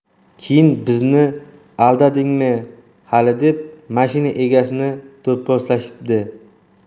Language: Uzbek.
keyin bizni aldadingmi hali deb mashina egasini do'pposlashibdi